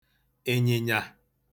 ị̀nyị̀nyà